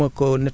géttu nag